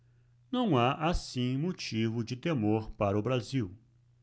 não há assim motivo de temor para o brasil